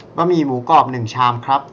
บะหมี่หมูกรอบหนึ่งชามครับ